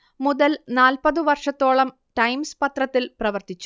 മുതൽ നാൽപ്പതു വർഷത്തോളം ടൈെംസ് പത്രത്തിൽ പ്രവർത്തിച്ചു